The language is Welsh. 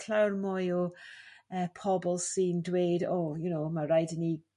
clawr mwy o e pobl sy'n dweud o you know ma' raid i ni